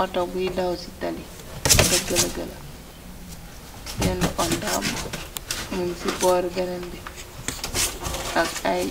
Auto bu yi daw ci tali , auto gëlagëla, bena ondaam mun ci boor beneen bi ak ay